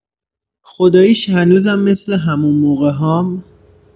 خداییش هنوزم مثل همون موقع‌هام!؟